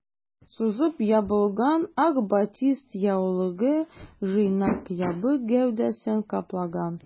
Сузып ябылган ак батист яулыгы җыйнак ябык гәүдәсен каплаган.